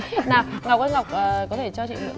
nào ngọc ơi ngọc à có thể cho chị mượn